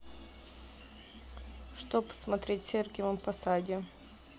что посмотреть в сергиевом посаде